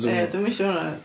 Ie, dwi ddim isio hwnna.